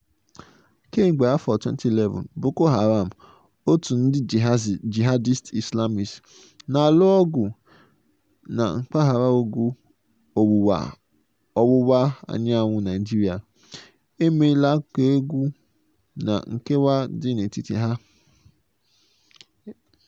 Kemgbe afọ 2011, Boko Haram, otu ndị jihadist Islamist na-alụ ọgụ na mpaghara ugwu ọwụwa anyanwụ Naịjirịa, emeela ka egwu na nkewa dị n'etiti ha, ebe mwakpo ha mere ka ọtụtụ puku mmadụ nwụọ, ọtụtụ nde mmadụ chụpụkwa ebe obibi ha.